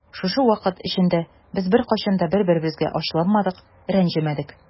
Шушы вакыт эчендә без беркайчан да бер-беребезгә ачуланмадык, рәнҗемәдек.